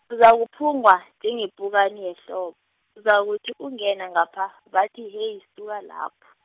uzakuphungwa, njengepukani yehlobo, uzakuthi ungena ngapha, bathi heyi suka laph-.